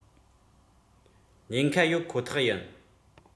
ཉན ཁ ཡོད ཁོ ཐག ཡིན